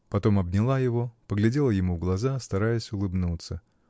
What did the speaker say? Потом обняла его, поглядела ему в глаза, стараясь улыбнуться.